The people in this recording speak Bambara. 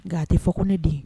Nka a tɛ fɔ ko ne de